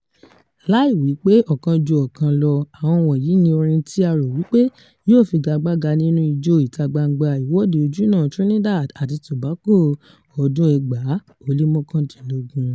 Láì wípé ọ̀kan ju ọ̀kan lọ, àwọn wọ̀nyí ni orin tí a rò wípé yóò figagbága nínú Ijó ìta-gbangba Ìwọ́de Ojúnà Trinidad àti Tobago ọdún-un 2019...